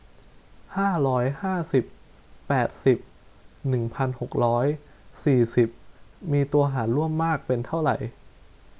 ห้าร้อยห้าสิบแปดสิบหนึ่งพันหกร้อยสี่สิบมีตัวหารร่วมมากเป็นเท่าไหร่